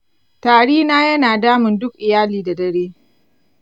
tari na yana damun duk iyali da dare.